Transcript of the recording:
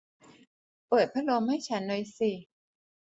เปิดพัดลมให้ฉันหน่อยสิ